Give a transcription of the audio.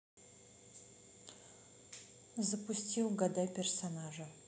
запусти угадай персонажа